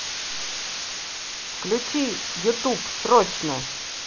включи ютуб срочно